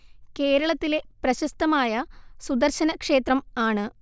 കേരളത്തിലെ പ്രശസ്തമായ സുദർശന ക്ഷേത്രം ആണ്